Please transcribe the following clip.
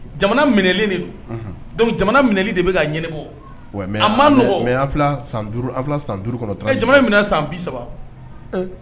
Jamana minɛlen de don, unhun, donc jamana minɛli de bɛ ka ɲɛnabɔ mais a ma nɔgɔn, mais an filɛ a san 5 kɔnɔ , jamana in minɛna san 30